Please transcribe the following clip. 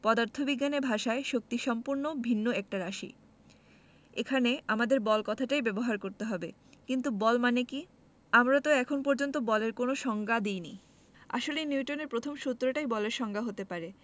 পদার্থবিজ্ঞানের ভাষায় শক্তি সম্পূর্ণ ভিন্ন একটা রাশি এখানে আমাদের বল কথাটাই ব্যবহার করতে হবে কিন্তু বল মানে কী আমরা তো এখন পর্যন্ত বলের কোনো সংজ্ঞা দিইনি আসলে নিউটনের প্রথম সূত্রটাই বলের সংজ্ঞা হতে পারে